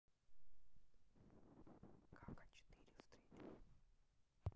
как а четыре встретил